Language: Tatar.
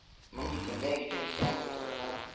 Мондый көндә өйдә бикләнеп утырырга